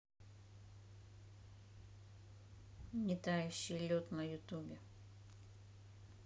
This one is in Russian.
нетающий лед на ютубе